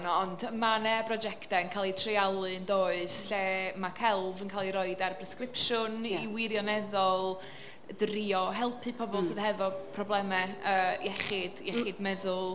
ond ma' 'na brosiectau'n cael eu treialu yn does lle ma' celf yn cael ei roid ar bresgripsiwn... ia. ...i wirioneddol drio helpu pobl... m-hm ...sydd hefo problemau yy iechyd, iechyd meddwl.